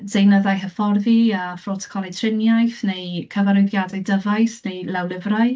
Deunyddau hyfforddi a phrotocolau triniaeth neu cyfarwyddiadau dyfais neu lawlyfrau.